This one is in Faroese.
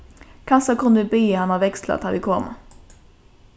kanska kunnu vit biðja hana veksla tá vit koma